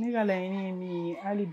Ne ka laɲini ye min ye hali